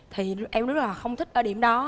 thì em rất là không thích ở điểm đó